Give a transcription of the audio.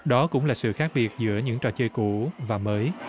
đó cũng là sự khác biệt giữa những trò chơi cũ và mới